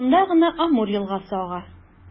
Якында гына Амур елгасы ага.